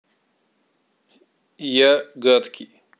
я гадкий